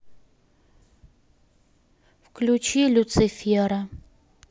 включи люцифера